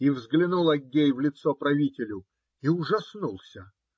И взглянул Аггей в лицо правителю и ужаснулся